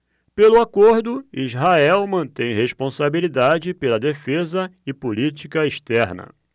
pelo acordo israel mantém responsabilidade pela defesa e política externa